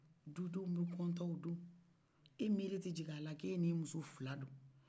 du denw be kɔntan o do i miri te jig'ala ko i n'i muso fila don